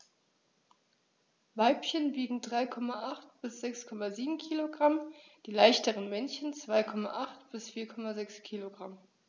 Weibchen wiegen 3,8 bis 6,7 kg, die leichteren Männchen 2,8 bis 4,6 kg.